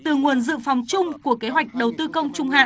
từ nguồn dự phòng chung của kế hoạch đầu tư công trung hạn